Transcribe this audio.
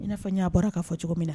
N'a fɔ y'a bɔra k'a fɔ cogo min na